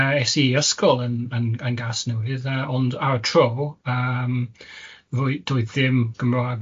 Es i'r ysgol yn yn yn Gasnewydd yy ond ar y tro, yym roi- doedd ddim Cymraeg.